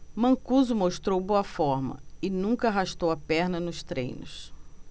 mancuso mostrou boa forma e nunca arrastou a perna nos treinos